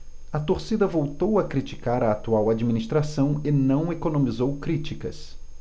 a torcida voltou a criticar a atual administração e não economizou críticas